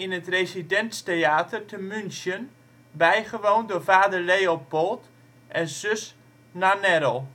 het Residenz Theater te München, bijgewoond door vader Leopold en zus Nannerl